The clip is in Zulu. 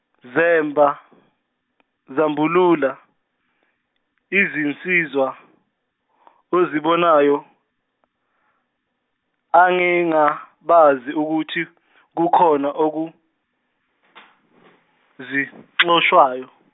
zemba zambulula izinsizwa ozibonayo, angengabaze ukuthi kukhona okuzixoshayo.